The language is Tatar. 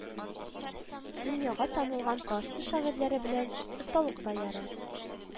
Дөньяга танылган фарсы шагыйрьләре белән осталыкта яры